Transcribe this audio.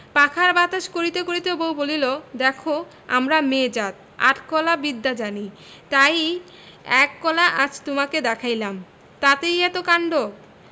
পাখার বাতাস করিতে করিতে বউ বলিল দেখ আমরা মেয়ে জাত আট কলা বিদ্যা জানি তাই এক কলা আজ তোমাকে দেখাইলাম তাতেই এত কাণ্ড